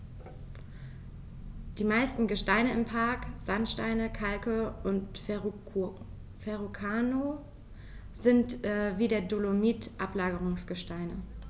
Die meisten Gesteine im Park – Sandsteine, Kalke und Verrucano – sind wie der Dolomit Ablagerungsgesteine.